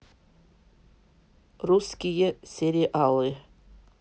русские сериалы